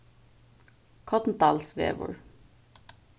korndalsvegur